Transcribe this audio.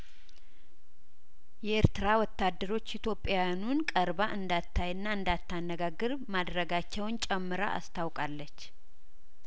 የኤርትራ ወታደሮች ኢትዮጵያውያኑን ቀርባ እንዳታይና እንዳታነጋገር ማድረጋቸውን ጨምራ አስታውቃለች